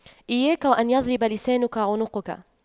إياك وأن يضرب لسانك عنقك